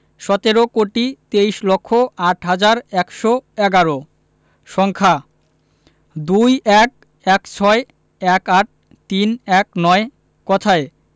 সতেরো কোটি তেইশ লক্ষ আট হাজার একশো এগারো সংখ্যাঃ ২১ ১৬ ১৮ ৩১৯ কথায়ঃ